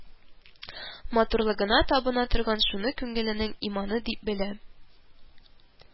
Матурлыгына табына торган, шуны күңеленең иманы дип белә